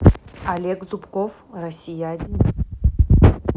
олег зубков россия один